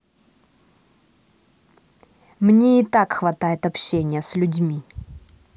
мне и так хватает общения с людьми